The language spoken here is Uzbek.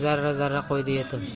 zarra zarra qo'ydi yetim